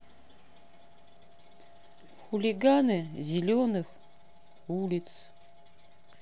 хулиганы зеленых улиц